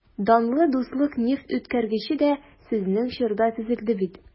Данлы «Дуслык» нефтьүткәргече дә сезнең чорда төзелде бит...